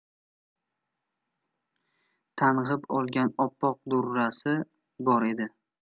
tang'ib olgan oppoq durrasi bor edi